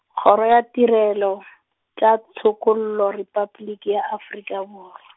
kgoro ya Tirelo , tša Tshokollo Repabliki ya Afrika Borwa.